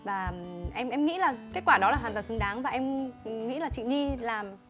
và em em nghĩ là kết quả đó là hoàn toàn xứng đáng và em nghĩ là chị nhi làm